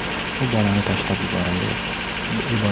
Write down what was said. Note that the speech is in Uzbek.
bolani tashlab yuboray dedi